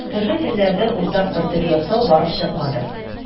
Төрле телләрдән уртак бер тел ясау барып чыкмады.